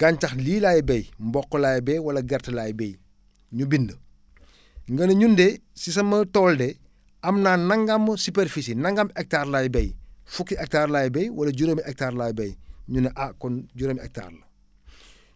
gàncax gii laay béy mboq laay béy wala gerte laay béy ñu bind nga ne ñun de si sama tool de am naa nangam mu superficie nangam hectares laay béy fukki hectares laay béy wala juróomi hectares laay béy ñu ne ah kon juróomi hectares la